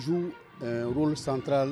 Z santa